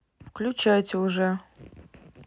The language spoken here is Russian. включайте уже